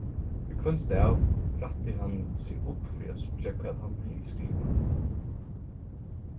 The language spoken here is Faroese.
fyri hvønn stav rætti hann seg upp fyri at síggja hvat hann hevði skrivað